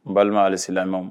N balima alisilaɔn